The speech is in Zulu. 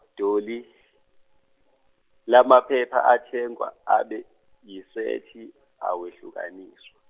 Dolly, lamaphepha athengwa abe, yisethi awehlukaniswa.